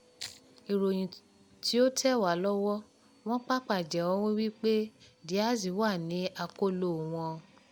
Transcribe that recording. [Ìròyìn tí ó tẹ̀ wá lọ́wọ́: they wọ́n pàpà jẹ́wọ́ wípé [Diaz wà ní akolóo wọn]